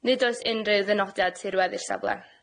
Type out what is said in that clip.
Nid oes unrhyw ddynodiad tirwedd i'r safle.